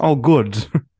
O, good.